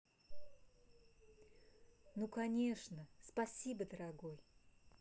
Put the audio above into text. ну конечно спасибо дорогой